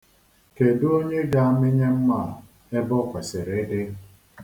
Kedụ onye ga-amịnye mma a ebe o kwesịrị ịdị?